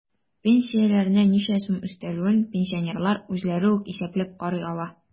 Пенсияләренә ничә сум өстәлүен пенсионерлар үзләре үк исәпләп карый ала.